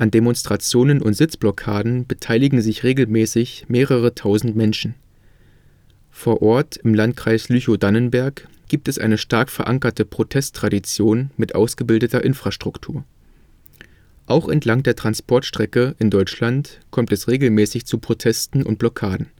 Demonstrationen und Sitzblockaden beteiligen sich regelmäßig mehrere tausend Menschen. Vor Ort im Landkreis Lüchow-Dannenberg gibt es eine stark verankerte Protesttradition mit ausgebildeter Infrastruktur. Auch entlang der Transportstrecke in Deutschland kommt es regelmäßig zu Protesten und Blockaden